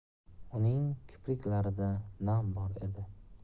uning kipriklarida nam bor edi